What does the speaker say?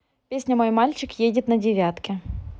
песня мой мальчик едет на девятке